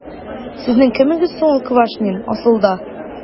Сезнең кемегез соң ул Квашнин, асылда? ..